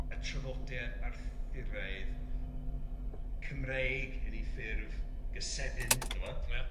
y traddodiad Arthuraidd Cymreig yn 'i ffurf gysefin t'mo'? Ia.